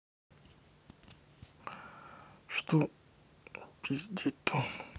что пиздить то